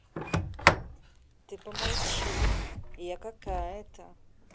ты помолчи я какая то